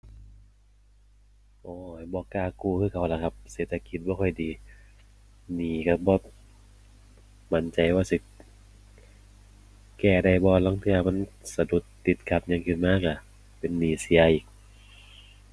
โอ้ย บ่กล้ากู้คือเขาล่ะครับ เศรษฐกิจบ่ค่อยดี หนี้ก็บ่มั่นใจว่าสิแก้ได้บ่ ลางเทื่อมันสะดุด ติดขัดหยังขึ้นมาก็เป็นหนี้เสียอีก